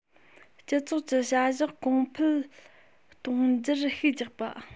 སྤྱི ཚོགས ཀྱི བྱ གཞག གོང འཕེལ གཏོང རྒྱུར ཤུགས རྒྱག པ